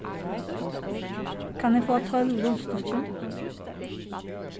kann eg fáa tólv rundstykkir